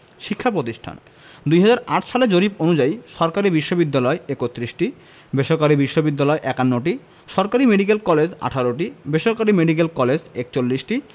শিক্ষাপ্রতিষ্ঠানঃ ২০০৮ সালের জরিপ অনুযায়ী সরকারি বিশ্ববিদ্যালয় ৩১টি বেসরকারি বিশ্ববিদ্যালয় ৫১টি সরকারি মেডিকেল কলেজ ১৮টি বেসরকারি মেডিকেল কলেজ ৪১টি